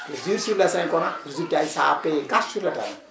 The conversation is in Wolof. je jure sur le saint coran résultats yi ça a payé cash sur le terrain